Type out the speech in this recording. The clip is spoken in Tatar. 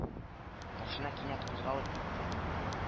Машина кинәт кузгалып китте